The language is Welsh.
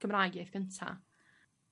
Cymraeg iaith gynta.